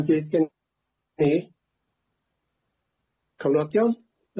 Dim byd gen i. Cofnodion?